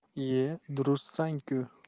ie durustsanku